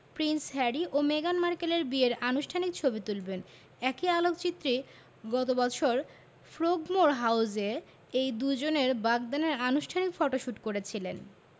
Prince Harry ও মেগান মার্কেলের বিয়ের আনুষ্ঠানিক ছবি তুলবেন একই আলোকচিত্রী গত বছর ফ্রোগমোর হাউসে এই দুজনের বাগদানের আনুষ্ঠানিক ফটোশুট করেছিলেন